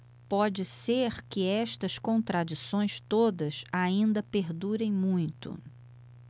pode ser que estas contradições todas ainda perdurem muito